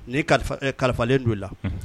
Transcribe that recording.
Ni kalifalen dono la